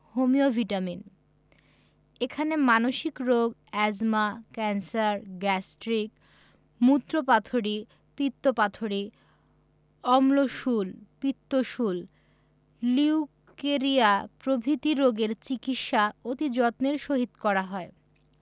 homeo vitamin এখানে মানসিক রোগ এ্যজমা ক্যান্সার গ্যাস্ট্রিক মুত্রপাথড়ী পিত্তপাথড়ী অম্লশূল পিত্তশূল লিউকেরিয়া প্রভৃতি রোগের চিকিৎসা অতি যত্নের সহিত করা হয়